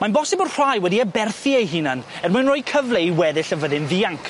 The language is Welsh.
Mae'n bosib bo' rhai wedi aberthi eu hunan er mwyn roi cyfle i weddill y fyddin ddianc.